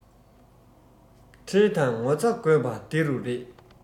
ཁྲེལ དང ངོ ཚ དགོས པ འདི རུ རེད